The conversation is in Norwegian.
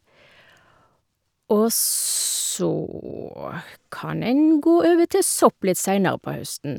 Og så kan en gå over til sopp litt senere på høsten.